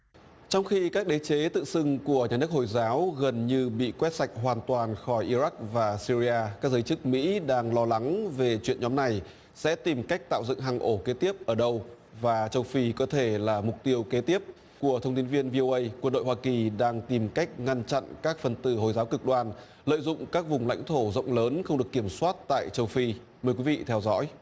trong khi các đế chế tự xưng của nhà nước hồi giáo gần như bị quét sạch hoàn toàn khỏi i rắc và sy ri a các giới chức mỹ đang lo lắng về chuyện nhóm này sẽ tìm cách tạo dựng hang ổ kế tiếp ở đâu và châu phi có thể là mục tiêu kế tiếp của thông tín viên vi ô ây quân đội hoa kỳ đang tìm cách ngăn chặn các phần tử hồi giáo cực đoan lợi dụng các vùng lãnh thổ rộng lớn không được kiểm soát tại châu phi mời quý vị theo dõi